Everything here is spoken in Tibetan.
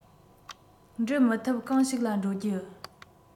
འགྲུབ མི ཐུབ གང ཞིག ལ འགྲོ རྒྱུ